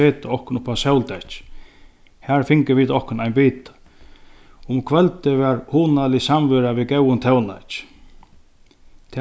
seta okkum upp á sóldekkið har fingu vit okkum ein bita um kvøldið var hugnalig samvera við góðum tónleiki